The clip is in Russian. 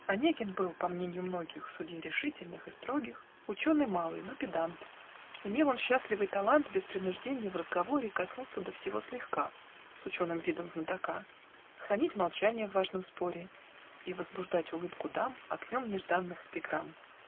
Онегин был по мненью многих (Судей решительных и строгих) Ученый малый, но педант: Имел он счастливый талант Без принужденья в разговоре Коснуться до всего слегка, С ученым видом знатока Хранить молчанье в важном споре И возбуждать улыбку дам Огнем нежданных эпиграмм.